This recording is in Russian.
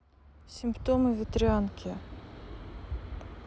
симптомы ветрянки